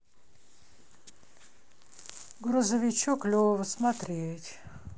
грузовичок лева смотреть